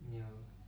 joo